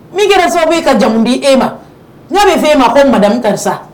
Min kɛra sababu'i ka jamumu di e ma ne bɛ f fɛ e ma ko madamu karisasa